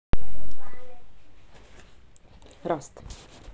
rust